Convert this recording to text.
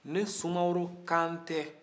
ne sumaworo kan tɛ